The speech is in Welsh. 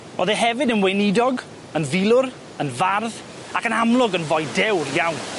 O'dd e hefyd yn weinidog, yn filwr, yn fardd ac yn amlwg yn foi dewr iawn.